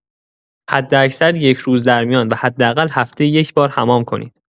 حداکثر یک روز در میان و حداقل هفته‌ای یکبار حمام کنید.